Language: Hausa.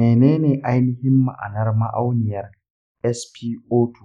mene ne ainihin ma'anar ma'auniyar spo2